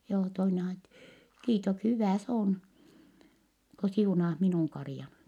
joo toinen -- hyvä se on kun siunaat minun karjan